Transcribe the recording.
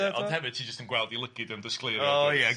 Ia, ond hefyd ti jyst yn gweld ei lygaid o'n disgleirio, dwyt?